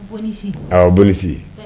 A' bilisi